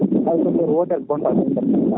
hay soblere wootere bonta *